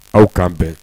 Aw' bɛn